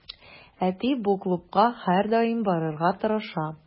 Әти бу клубка һәрдаим барырга тырыша.